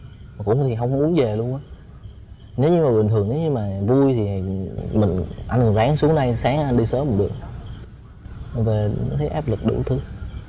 mà cũng hông về hông có muốn về luôn á nếu như mà bình thường nếu như mà vui thì mình anh còn ráng xuống đây sáng anh đi sớm còn được về thấy áp lực đủ thứ